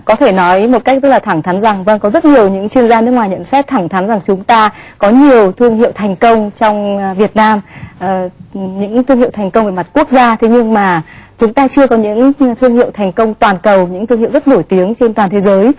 có thể nói một cách rất là thẳng thắn rằng vâng có rất nhiều những chuyên gia nước ngoài nhận xét thẳng thắn rằng chúng ta có nhiều thương hiệu thành công trong việt nam những thương hiệu thành công về mặt quốc gia thế nhưng mà chúng ta chưa có những thương hiệu thành công toàn cầu những thương hiệu rất nổi tiếng trên toàn thế giới